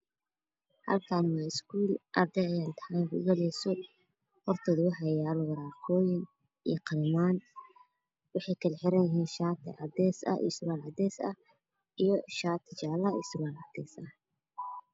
Halkaan waa iskuul arday ayaa imtixaan ku galayso hortooda waxaa yaalo waraaqooyin iyo qalimaan waxay kala xiran yihiin shaati cadays ah iyo surwaal cadays ah iyo shaati jaalle iyo surwaal cadays ah.